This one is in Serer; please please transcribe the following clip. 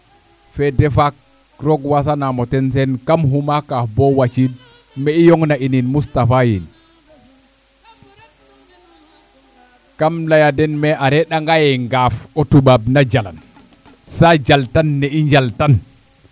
fede faak reeg wasanamo ten Sene kam xuma kaaf bo waciid me i yong na iniin Moustapha yiin kam leya den mee a re'anga ye ngaaf o toubab na jalan sa jaltan ne i ndiltan